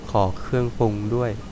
ขอเครื่องปรุงด้วย